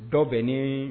Tɔ bɛ ne